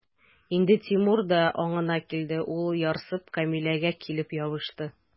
Инде Тимур да аңына килде, ул, ярсып, Камилгә килеп ябышты.